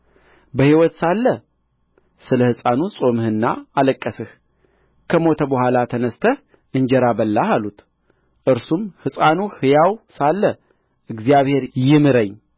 በሕይወት ሳለ ስለ ሕፃኑ ጾምህና አለቀስህ ከሞተ በኋላ ግን ተነሥተህ እንጀራ በላህ አሉት እርሱም ሕፃኑ ሕያው ሳለ እግዚአብሔር ይምረኝ